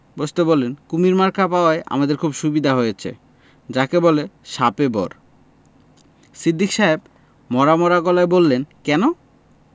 বসতে বললেন কুমীর মার্কা পাওয়ায় আমাদের খুবই সুবিধা হয়েছে যাকে বলে শাপে বর সিদ্দিক সাহেব মরা মরা গলায় বললেন কেন